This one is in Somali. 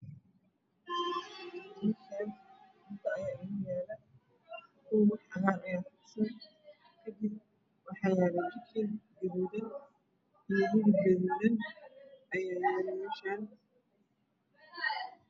Meshn cunto aya idinyalo kow wax cagar aamarsan kidib waxa yalo jikin gaduudn io hilib gaduudn ayaa yalo meshan